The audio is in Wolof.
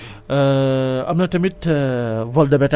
comme nu ñu nee gerte bi yàqu na mbaa ñebe yàqu na